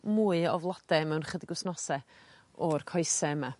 mwy o flode mewn ychydig wsnose o'r coese 'ma.